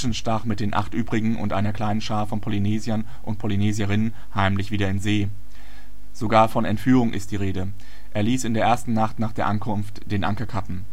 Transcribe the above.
stach mit den acht übrigen und einer kleinen Schar von Polynesiern und Polynesierinnen heimlich wieder in See; sogar von Entführung ist die Rede: Er ließ in der ersten Nacht nach der Ankunft den Anker kappen